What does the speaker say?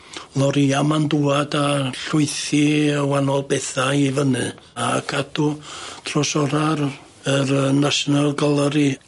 Loria 'ma'n dŵad a llwythi yy wanol betha i fyny a gadw trosora'r yr yy National Gallery.